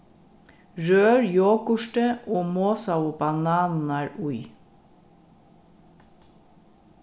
rør jogurtið og mosaðu bananirnar í